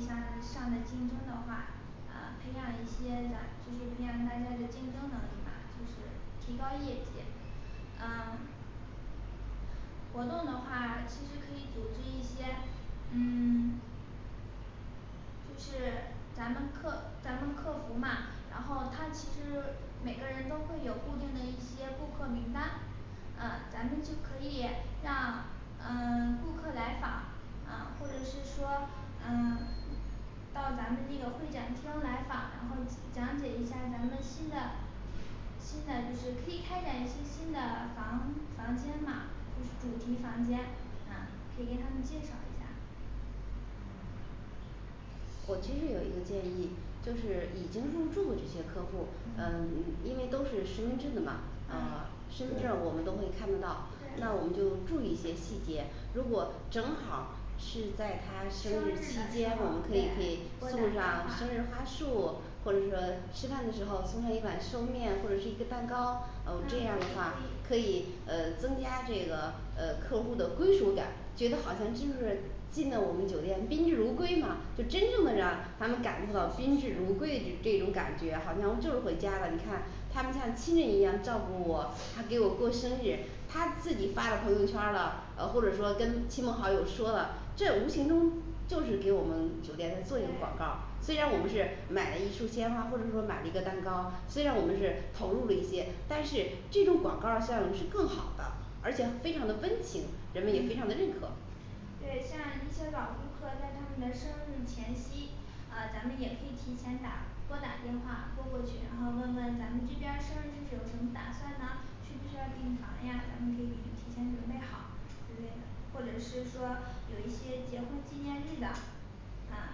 上上的竞争的话，啊培养一些咱就是培养大家的竞争能力嘛，就是提高业绩，嗯活动的话，其实可以组织一些，嗯 就是 咱们客咱们客服嘛，然后他其实每个人都会有固定的一些顾客名单，嗯，咱们就可以让呃 顾客来访啊或者是说嗯到咱们这个会展厅来访，然后讲解一下儿咱们新的新的就是可以开展一些新的房房间嘛，主题房间啊嗯，可以给他们介绍一下。嗯我其实有一个建议，就是已经入住这些客户，呃嗯因为都是实名制的嘛啊嗯身份证我们都会看得到，那我们对就注意一些细节，如果正好儿是在他生生日日的期时间，候我儿们，可对以可以送上生日花束，或者说吃饭的时候送上一碗寿面或者是一个蛋糕哦，这样的他话可以可以呃增加这个呃客户儿的归属感，觉得好像就是进到我们酒店宾至如归嘛，就真正的让他们感受到宾至如归的这这种感觉，好像我就是回家了，你看他们像亲人一样照顾我，还给我过生日他自己发了朋友圈儿了，呃或者说跟亲朋好友说了，这无形中就是给我们酒店在做一个广告儿对虽然我们是买了一束鲜花或者说买了一个蛋糕，虽然我们是投入了一些，但是这种广告儿效应是更好的而且非常的温情，人们也非常的认可。嗯对像一些老顾客在他们的生日前夕，呃咱们也可以提前打拨打电话拨过去，然后问问咱们这边儿生日是有什么打算呢，需不需要订房呀，咱们可以嗯提前准备好之类的，或者是说有一些结婚纪念日的啊，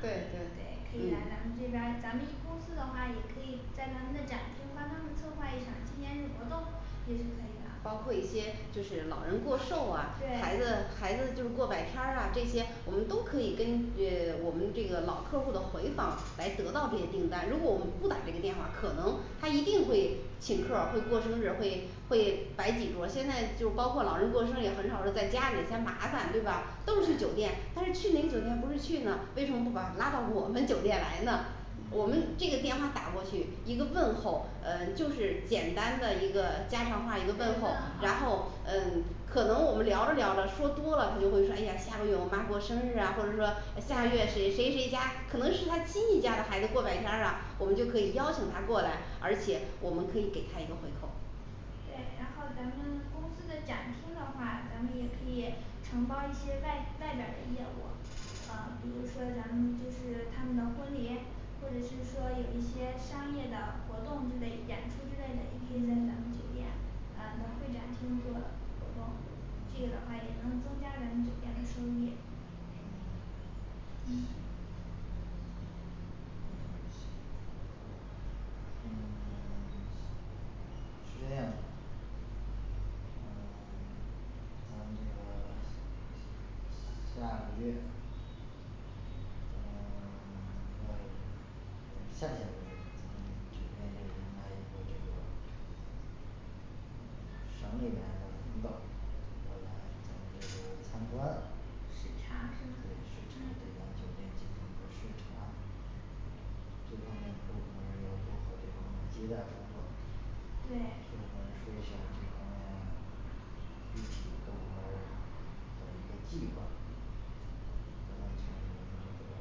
对对，可以对来嗯咱们这边儿咱们公司的话，也可以在咱们的展厅帮他们策划一场纪念日活动，也是可以的包括一些就是老人过寿啊孩子对孩子就是过百天儿啊这些，我们都可以跟呃我们这个老客户的回访来得到这些订单，如果我们不打这个电话，可能他一定会请客儿会过生日，会会摆几桌，现在就包括老人过生日也很少是在家里嫌麻烦对吧？都是去酒店，但是去哪个酒店不是去呢，为什么不把他拉到我们酒店来呢，我们这个电话打过去一个问候呃就是简单的一个家常话一我觉个问候得，然后呃可能我们聊着聊着说多了，他就会说哎呀下个月我妈过生日啊，或者说下个月谁谁谁家可能是他亲戚家的孩子，过百天儿呀我们就可以邀请他过来而且我们可以给他一个回扣对，然后咱们公司的展厅的话，咱们也可以承包一些外外边儿的业务，啊，比如说咱们就是他们的婚礼，或者是说有一些商业的活动之类演出之类的，也可以在咱们酒嗯店，咱们会展厅做活动，这个的话也能增加咱们酒店的收益。嗯行嗯嗯 是这样的，嗯 嗯这个 下个月，嗯 还有就是下下个月嗯，迎来一个这个省里来的领导，要来咱们这边参观，对，视视察察，，对咱嗯酒店进行一个视察这方面儿各部门儿要做好这方面儿接待工作对各部门儿实行这个 部门儿的一个计划咱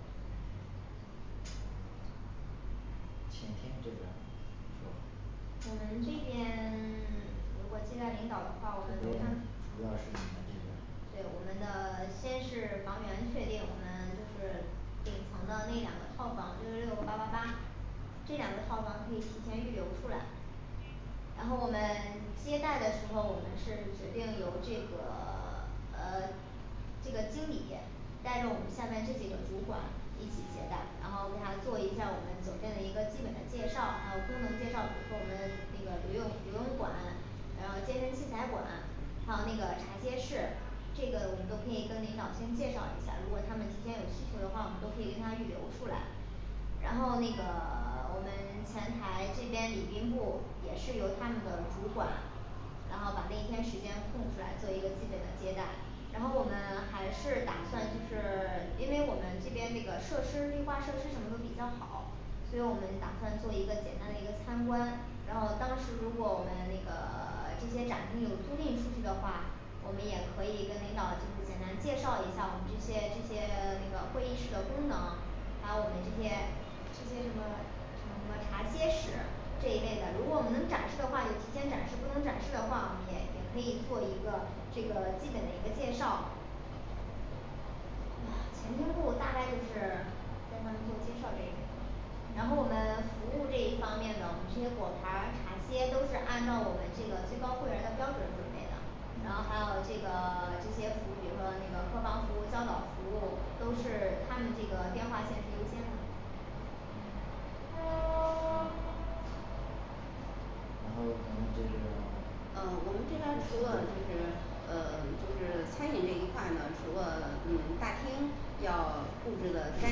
们嗯前厅这边儿，我们这边 如果接待领导的话我们主要是你们这边儿对，我们的 先是房源确定，我们就是顶层的那两个套房，六六六八八八，这两个套房可以提前预留出来。然后我们接待的时候，我们是决定由这个 呃这个经理带着我们下面这几个主管一起接待，然后的话做一下儿我们酒店的一个基本的介绍，还有功能介绍，比如说我们那个游泳游泳馆还有健身器材馆，还有那个茶歇室，这个我们都可以跟领导先介绍一下，如果他们提前有需求的话，我们都可以跟他预留出来然后那个 我们前台这边礼宾部也是由他们的主管然后把那天时间空出来做一个基本的接待，然后我们还是打算就是 因为我们这边这个设施绿化设施什么都比较好所以我们打算做一个简单的一个参观，然后当时如果我们那个 这些展厅有租赁出去的话我们也可以跟领导就是简单介绍一下我们这些这些那个会议室的功能。还有我们这些这些什么什么茶歇室这一类的，如果我们能展示的话就提前展示，不能展示的话，我们也也可以做一个这个基本的一个介绍。前厅部大概就是跟他们做介绍这类。然后我们服务这一方面呢，我们这些果盘儿茶歇都是按照我们这个最高会员儿的标准准备的。然后还有这个 这些服务，比如说那个客房服务叫早服务都嗯是他们这个电话线是优先的嗯嗯然后咱们这边儿 呃我们这边除了就是呃就是餐饮这一块呢，除了嗯大厅要布置的干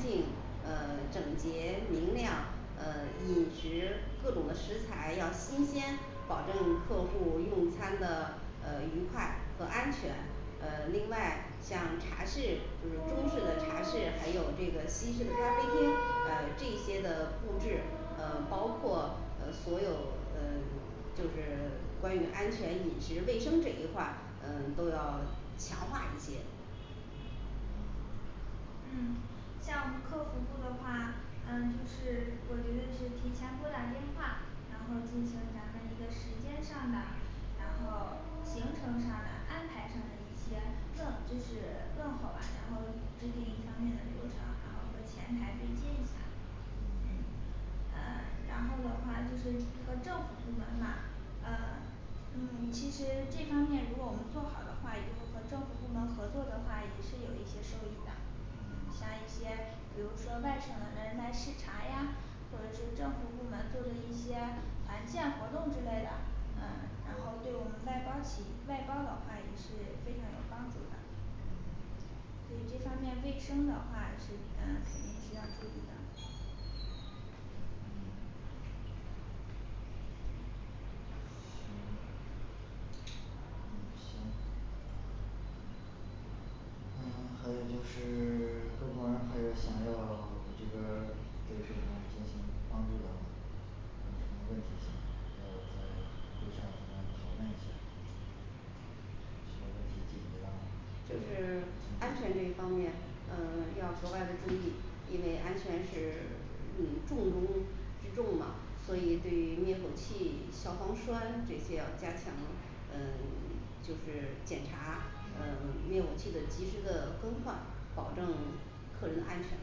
净、呃 整洁、明亮呃饮食，各种的食材要新鲜，保证客户用餐的呃愉快和安全。呃另外像茶室就是中式的茶室，还有这个西式的咖啡厅，呃这些的布置，呃包括呃所有呃就是关于安全饮食卫生这一块儿呃都要强化一些。嗯 嗯，像我们客服部的话，嗯，就是我觉得是提前拨打电话，然后进行咱们一个时间上的然后行程上的安排上的一些更就是更好吧，然后制定一方面的流程，然后和前台对接一下嗯嗯呃然后的话就是和政府部门的话呃嗯其实这方面如果我们做好的话，也就是和政府部门儿合作的话也是有一些收益的。像嗯一些比如说外省的人来视察呀，或者是政府部门做的一些团建活动之类的嗯，嗯，然后对我们外包起外包的话也是非常有帮助的嗯对这方面卫生的话是嗯我们需要注意的。嗯嗯，嗯行嗯，还有就是 各部门儿还有想要我这边儿对各部门儿进行帮助的吗还有什么问题我们在 会上进行讨论一下儿这些问题解决了就是安全这一方面呃要格外的注意，因为安全是 嗯重中之重嘛，所以对嗯于灭火器、消防栓这些要加强嗯就是检查呃嗯灭火器的及时的更换，保证嗯客人的安全。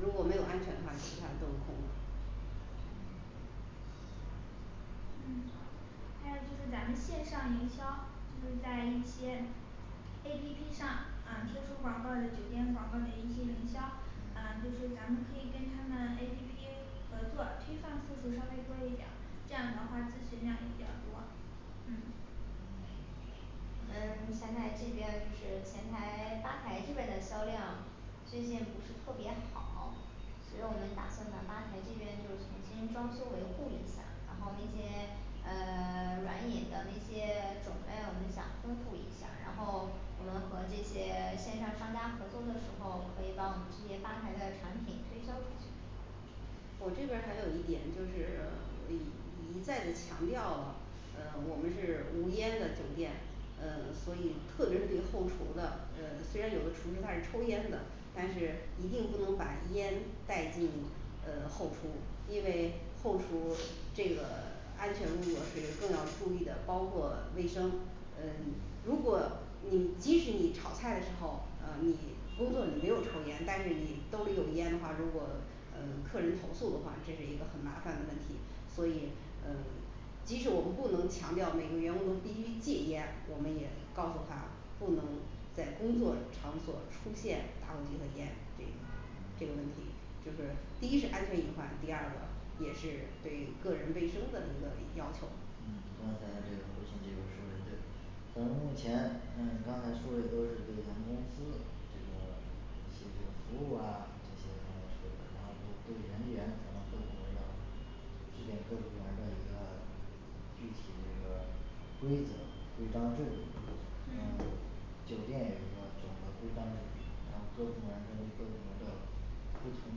如果没有安全的话，其他的都是空的。嗯嗯嗯还有就是咱们线上营销，就是在一些A P P上啊贴出广告儿的酒店广告儿的一些营销啊嗯就是咱们可以跟他们A P P合作推放次数稍微多一点儿，这样的话咨询量也比较多，嗯嗯呃前台这边儿就是前台 吧台这边儿的销量最近不是特别好所以我们打算把吧台这边就重新装修维护一下，然后那些呃 软饮的那些种类我们想丰富一下，然后我们和这些线上商家合作的时候，可以把我们这些吧台的产品推销出去我这边儿还有一点就是我 一一再的强调呃我们是无烟的酒店，呃所以特别是对后厨的，呃虽然有的厨师他是抽烟的但是一定不能把烟带进呃后厨，因为后厨这个安全工作是更要注意的，包括卫生，呃如果你即使你炒菜的时候啊你工作你没有抽烟，但是你兜里有烟的话，如果呃客人投诉的话，这是一个很麻烦的问题，所以呃即使我们不能强调每个员工都必须戒烟，我们也告诉他不能在工作场所出现打火机和烟这这个问题就是第一是安全隐患，第二个也是对个人卫生的一个要求。嗯，刚才这个后勤这边儿说的对咱们目前咱们刚才说的都是对咱公司这个一些这个服务啊，这些方面说的，然后对对人员咱们更可能要制定各部门儿的一个具体这个规则、规章制度呃嗯酒店有什么总的规章然后各部门儿根据各部门儿的不同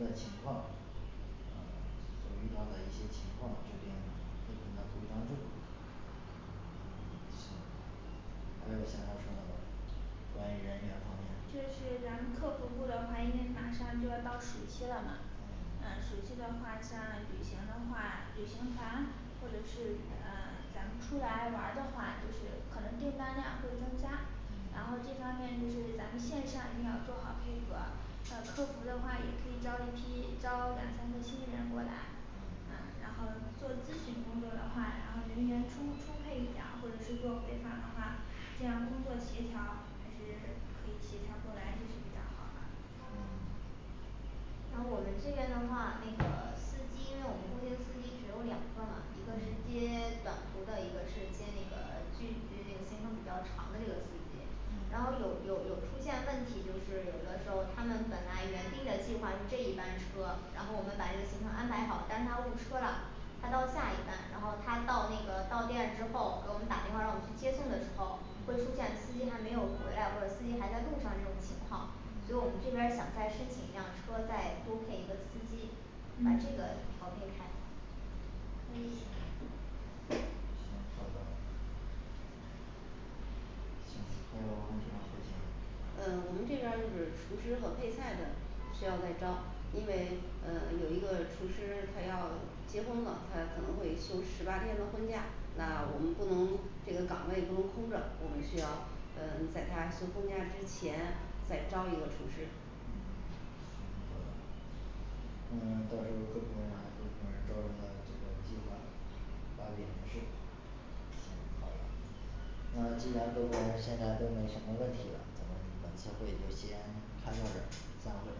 的情况啊 所遇到的一些情况制定不同的规章制度嗯 行，还有想要说的吗关于人员方面，就是咱们客服部的话因为马上就要到暑期了嘛，嗯嗯暑期的话像旅行的话，旅行团或者是呃咱们出来玩儿的话，就是可能订单量会增加，然嗯后这方面就是咱们线上一定要做好配合还有客服的话也可以招一批招两三个新人过来，嗯啊然后做咨询工作的话，然后人员充充沛一点儿或者是做回访的话这样工作协调还是可以协调过来就是比较好吧。嗯然后我们这边的话那个司机因为我们固定司机只有两个嘛，一个是嗯接短途的，一个是接那个距离 行程比较长的这个司机然后嗯有有有出现问题，就是有的时候他们本来原定的计划是这一班车，然后我们把这个行程安排好，但是他误车了，他到下一班，然后他到那个到地儿之后给我们打电话，让我们去接送的时候，会出嗯现司机还没有回来或者司机还在路上这种情况，所以我们嗯这边儿想再申请一辆车，再多配一个司机，把这个嗯调配开嗯行行好的行，还有问题吗会上呃我们这边儿就是厨师和配菜的需要再招，因为呃有一个厨师他要结婚了，他可能会休十八天的婚假，那我们不嗯能这个岗位不能空着，我们需要呃在他休婚假之前再招一个厨师嗯 你这个 那到时候儿各部门把这各部门儿招人的这个计划发给人事行，好的那既然各部门儿现在都没什么问题了，咱们本次会议就先开到这儿。散会。